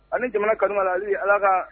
A ni jamana kanubaliali ala ka